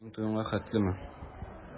Синең туеңа хәтлеме?